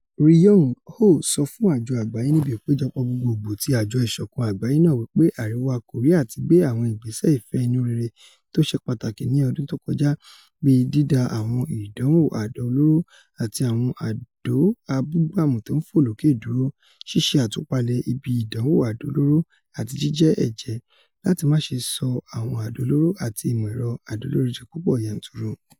Ri Yong Ho sọ fún àjọ àgbáyé níbi Ìpéjọpọ̀ Gbogbogbòò ti Àjọ Ìṣọ̀kan Àgbáyé náà wí pé Àríwá Kòríà ti gbé ''àwọn ìgbésẹ̀ ìfẹ́ inú rere tóṣe pàtàkì'' ní ọdún tókọjá, bíi dídá àwọn ìdánwò àdó olóró àti àwọn àdó abúgbàmu tóńfòlókè dúró, ṣíṣe àtúpalẹ̀ ibi ìdánwò àdó olóró, àti jíjẹ́ ẹjẹ́ láti máṣe ṣọ àwọn àdó olóró àti ìmọ̀-ẹ̀rọ àdó olóró di púpọ̀ yanturu.